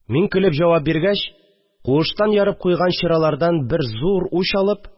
Мин көлеп җавап биргәч, куштан ярып куйган чыралардан бер зур уч алып